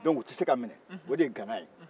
dɔnku u tɛ se ka minɛ o de ye gana ye